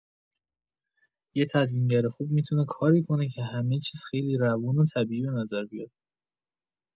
یه تدوینگر خوب می‌تونه کاری کنه که همه چیز خیلی روون و طبیعی به نظر بیاد.